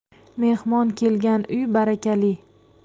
mehmon kelgan uy barakali